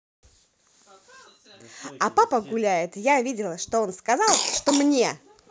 а папа гуляет я видела что он сказал что мне